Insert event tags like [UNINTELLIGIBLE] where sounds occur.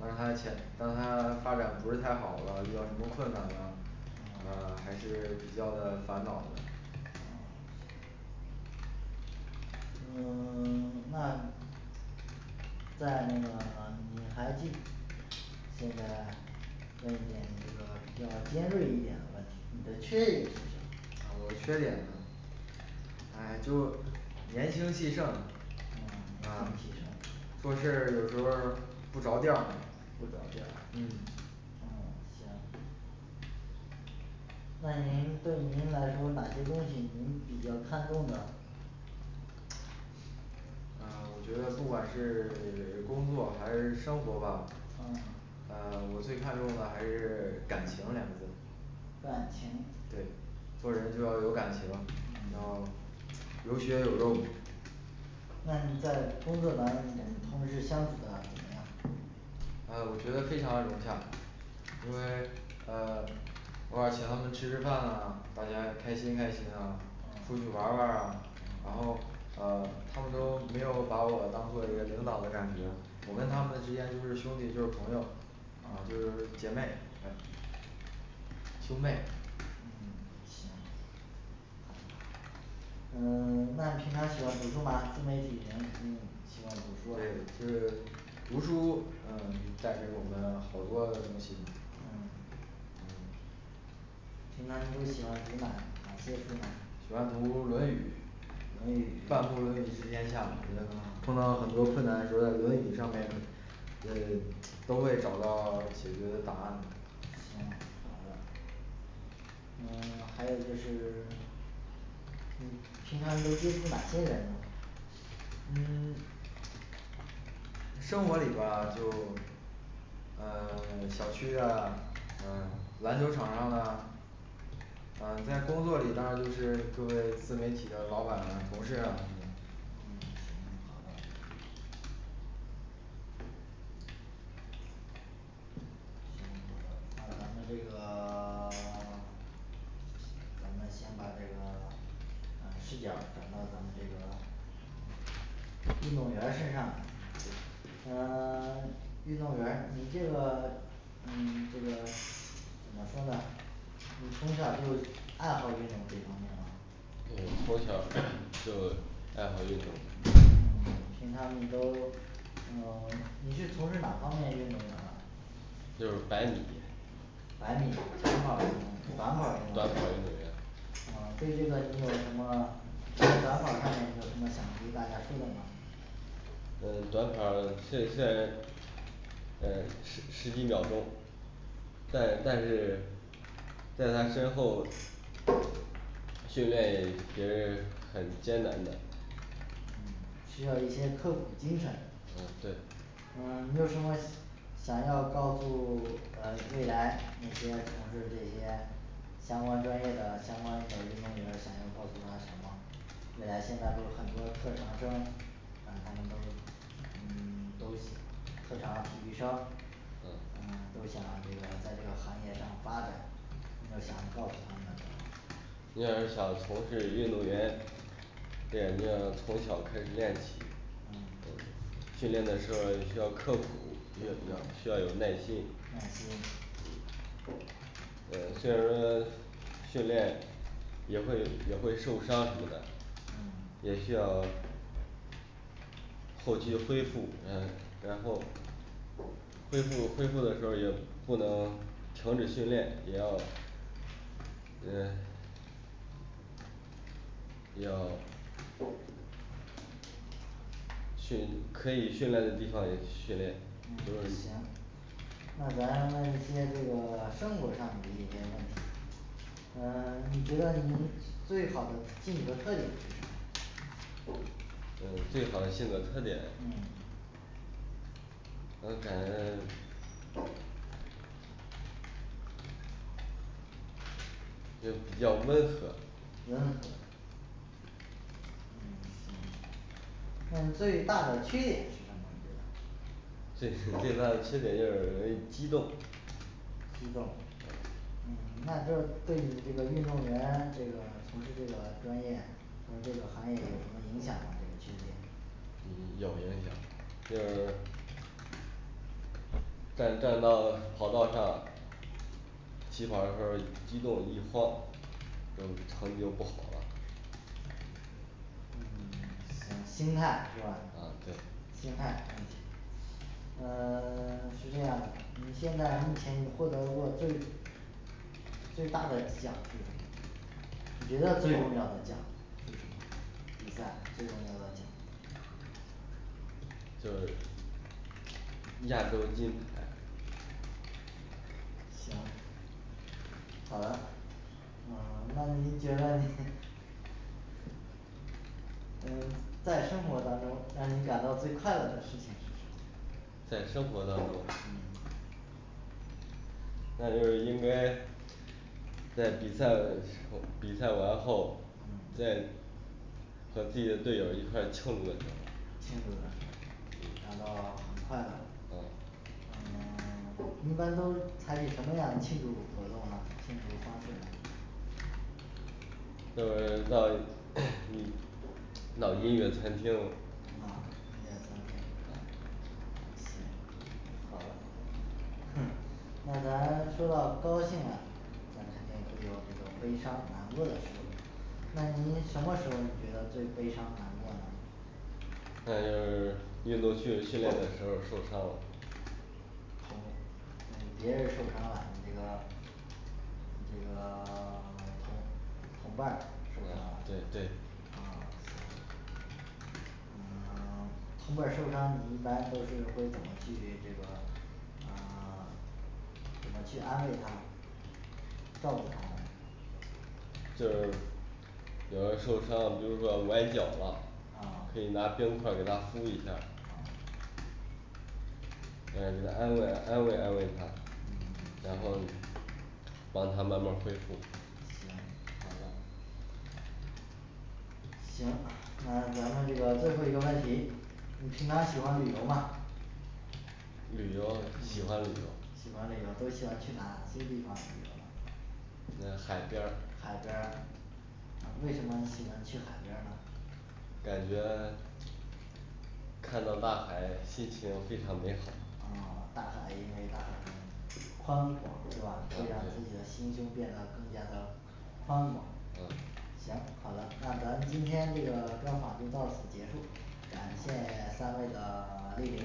当工作它前当它发展不是太好了还是比较的烦恼嗯那在那个 [SILENCE] 你还记就是问一点这个比较尖锐一点的问题，你的缺点啊我的缺点呢哎就年轻气盛啊啊气盛做事有时候不着调那您对您来说哪些东西您比较看重的呃我觉得不管是工作还是生活吧呃，我最看重的还是感情两个字感情对做人就要有感情要有血有肉那你在工作当中你跟同事相处的怎么样呃我觉得非常融洽，因为呃偶尔请他们吃吃饭啦，大家开心开心啊嗯出去玩儿玩儿啊。然嗯后呃他们都没有把我当做一个领导的感觉，我跟他们之间就是兄弟就是朋友啊就是姐妹兄妹嗯行呃 [SILENCE] 那你平常喜欢读书吗自媒体人肯定喜欢读书啊嗯平常都喜欢读哪哪些书呢喜欢读论语论语都会找到 [SILENCE] 解决的答案的。嗯还有就是 [SILENCE] 你平常都接触哪些人呢嗯生活里吧就呃小区啊篮球场上啊嗯，在工作里当然就是各个自媒体的老板啊同事啊什么的还有咱们这个 [SILENCE] 咱们先把这个把视角儿转到咱们这个运动员儿身上来呃 [SILENCE] 运动员儿你这个嗯这个，怎么说呢，你从小就爱好运动这方面吗嗯从小儿就爱好运动嗯平常你都嗯 [SILENCE] 你是从事哪方面运动的就是百米百米长跑运动短短跑跑运运动动员员呃短跑儿就在呃，十十几秒钟但但是在那之后训练也是很艰难的需要一些刻苦精神嗯对嗯你有什么想要告诉呃未来那些从事这些相关专业的相关的运动员，想要告诉他们什么未来现在不是很多特长生把他们都嗯 [SILENCE] 都特长体育生嗯嗯都想这个在这个行业上发展你有想告诉他们的要是想从事运动员那就要从小开始练起嗯对训练的时候要刻苦，要有耐需要有耐心耐心训练也会也会受伤什么的嗯也需要后期恢复嗯然后恢复恢复的时候也不能停止训练，也要呃要训可以训练的地方也训练嗯行那咱问一些这个生活上的一些问题呃你觉得您最好的性格特点是什么我最好的性格特点嗯我感 [SILENCE] 也比较温和温和嗯行嗯最大的缺点是什么最最大的缺点就是容易激动激动嗯那这对你这个运动员这个从事这个专业，从事这个行业有什么影响吗这个缺点嗯有影响就是站站到跑道上起跑的时候儿激动容易晃嗯成绩就不好了嗯 [SILENCE] 行心态是吧啊对心态呃 [SILENCE] 是这样的，你现在目前你获得过最最大的奖是什么你觉得最重要最的奖就是亚洲金牌行好的嗯那您觉得您 [NOISE] 呃在生活当中让你感到最快乐的事情是什么在生活当中嗯那就是应该在比赛时候，在比赛完后在在和自己的队友一块庆祝的时候感到 [SILENCE] 快乐噢呃 [SILENCE] 一般都采取什么样的庆祝活动呢庆祝方式呢就是到 [CROSSTALK] 一 [UNINTELLIGIBLE] 到音乐餐厅啊音乐餐厅呃行好的 [NOISE] 那咱说到高兴了，那肯定会有这个悲伤难过的时候那您什么时候你觉得最悲伤难过呢那就是运动训训练的时候儿受伤了同嗯别人儿受伤啦你这个这个 [SILENCE] 同同伴儿受伤啦啊对行对嗯 [SILENCE] 同伴儿受伤你一般都是会怎么去这个呃 [SILENCE] 怎么去安慰他照顾他们就是有人儿受伤，比如说崴脚了，可噢以拿冰块儿给他敷一下儿噢对呃安慰安慰安慰他然嗯后行帮他慢儿慢儿恢复行好的行，那咱问这个最后一个问题，你平常喜欢旅游吗？旅游喜欢嗯旅游喜欢旅游都是喜欢去哪些地方旅游呢呃海边儿海边儿啊为什么你喜欢去海边儿呢？感觉看到大海心情非常美好哦大海因为大海宽广对吧，会让自对己的心胸变得更加的宽广嗯行好的，那咱们今天这个专访就到此结束，感谢三位的 [SILENCE] 莅谢谢临